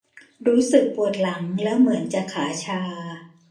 รู้สึกปวดหลังแล้วเหมือนจะขาชา